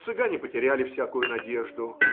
Цыгане потеряли всякую надежду.